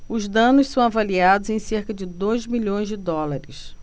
os danos são avaliados em cerca de dois milhões de dólares